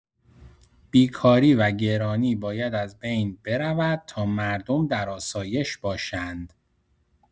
بیکاری و گرانی باید از بین برود تا مردم در آسایش باشند.